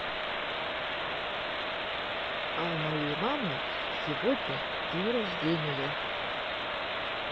а у моей мамы сегодня день рождения